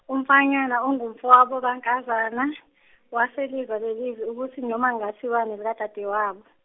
umfanyana ongumfowabo kaNkazana waselizwa lelizwi ukuthi noma kungathiwani elikadadewabo.